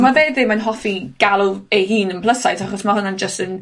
...ma fe ddim yn hoffi galw ei hun y plus size, achos ma' hwnna'n jyst yn